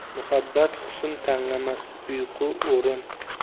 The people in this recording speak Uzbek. muhabbat husn tanlamas uyqu o'rin